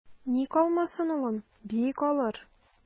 Ник алмасын, улым, бик алыр.